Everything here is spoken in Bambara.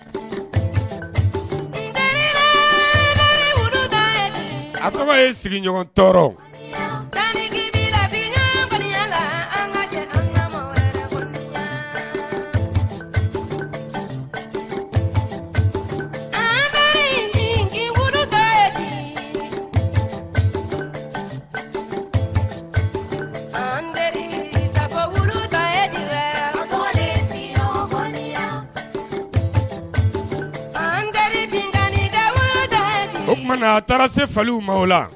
A tɔgɔ ye sigiɲɔgɔn tɔɔrɔ an ka sigiyan u tuma' a taara se faw ma la